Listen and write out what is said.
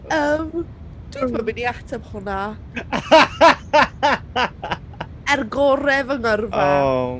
Yym, dwi'm yn mynd i ateb hwnna. Er gorau fy ngyrfa... O!